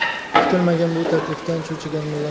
kutilmagan bu taklifdan cho'chigan